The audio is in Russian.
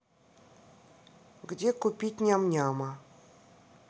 где купить ням няма